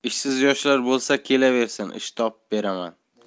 ishsiz yoshlar bo'lsa kelaversin ish topib beraman